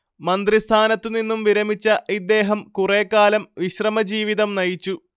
മന്ത്രിസ്ഥാനത്തുനിന്നും വിരമിച്ച ഇദ്ദേഹം കുറേക്കാലം വിശ്രമജീവിതം നയിച്ചു